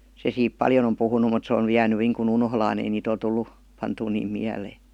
se siitä paljon on puhunut mutta se on nyt jäänyt niin kuin unholaan ei niitä ole tullut pantua niin mieleen